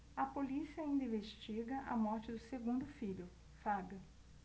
a polícia ainda investiga a morte do segundo filho fábio